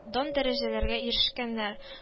Дан-дәрәҗәләргә ирешкәннәр